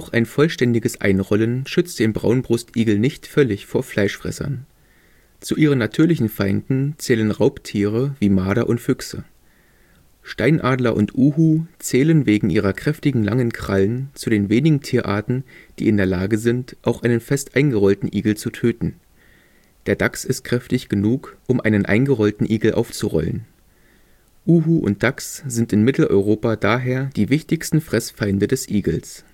ein vollständiges Einrollen schützt den Braunbrustigel nicht völlig vor Fleischfressern. Zu ihren natürlichen Feinden zählen Raubtiere wie Marder und Füchse. Steinadler und Uhu zählen wegen ihrer kräftigen, langen Krallen zu den wenigen Tierarten, die in der Lage sind, auch einen fest eingerollten Igel zu töten. Der Dachs ist kräftig genug, um einen eingerollten Igel aufzurollen. Uhu und Dachs sind in Mitteleuropa daher die wichtigsten Fressfeinde des Igels